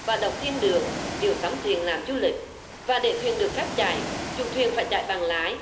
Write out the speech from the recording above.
và động thiên đường đều sắm thuyền làm du lịch và để thuyền được phép chạy chủ thuyền phải chạy bằng lái